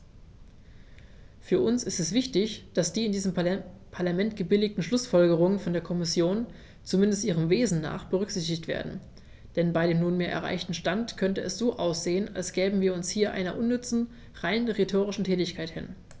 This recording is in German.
Für uns ist es wichtig, dass die in diesem Parlament gebilligten Schlußfolgerungen von der Kommission, zumindest ihrem Wesen nach, berücksichtigt werden, denn bei dem nunmehr erreichten Stand könnte es so aussehen, als gäben wir uns hier einer unnütze, rein rhetorischen Tätigkeit hin.